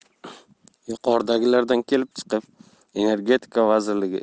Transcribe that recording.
yuqoridagilardan kelib chiqib energetika vazirligi